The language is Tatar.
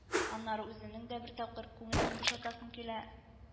Аннары үземнең дә бер тапкыр күңелемне бушатасым килә